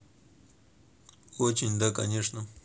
очень да конечно